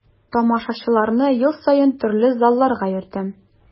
Тамашачыларны ел саен төрле залларга йөртәм.